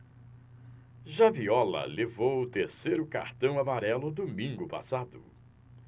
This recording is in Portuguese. já viola levou o terceiro cartão amarelo domingo passado